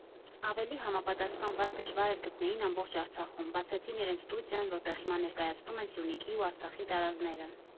Ավելի համապատասխան վայր դժվար էլ գտնեին ամբողջ Արցախում, բացեցին իրենց ստուդիան, որտեղ հիմա ներկայացնում են Սյունիքի ու Արցախի տարազները։